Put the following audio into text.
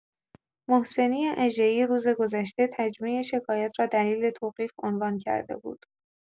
محسنی اژه‌ای روز گذشته تجمیع شکایات را دلیل توقیف عنوان کرده بود.